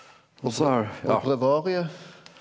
også er ja.